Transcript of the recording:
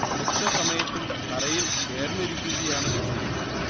മിക്ക സമയത്തും തറയിൽ ചേർന്നിരിക്കുകയാണ് ചെയ്യുക